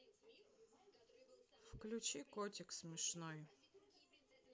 включи котик смешной